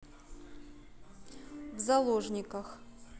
в заложниках